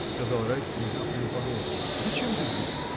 — сказал Райский, узнав ее по голосу, — зачем ты здесь?